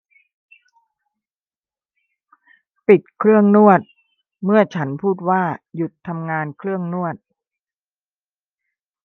ปิดเครื่องนวดเมื่อฉันพูดว่าหยุดทำงานเครื่องนวด